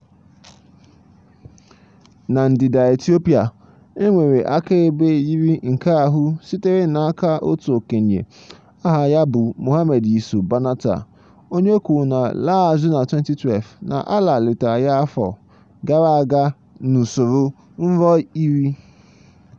Na ndịda Etiopia, enwere akaebe yiri nke ahụ sitere n'aka otu okenye aha ya bụ Mohammed Yiso Banatah, onye kwuru na laa azụ na 2012 na Allah letara ya afọ 33 gara aga n'usoro nrọ iri.